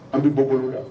An bɛ bɔ la